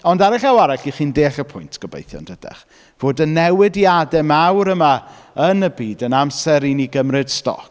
Ond ar y llaw arall, 'y chi'n deall y pwynt, gobeithio yn dydach fod y newidiadau mawr yma yn y byd yn amser i ni gymryd stoc...